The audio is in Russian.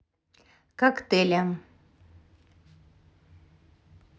коктейля